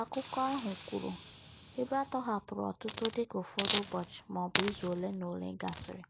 Akụkọ ahụ kwuru, "Ebe a tọhapụrụ ọtụtụ dịka ụfọdụ ụbọchị maọbụ izu ole na ole gasịrị,